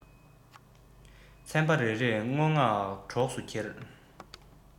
ཚན པ རེ རེས མདོ སྔགས གྲོགས སུ འཁྱེར